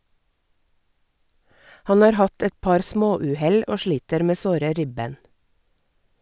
Han har hatt et par småuhell og sliter med såre ribben.